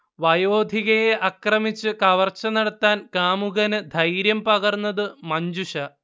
വയോധികയെ ആക്രമിച്ചു കവർച്ച നടത്താൻ കാമുകനു ധൈര്യം പകർന്നതു മഞ്ജുഷ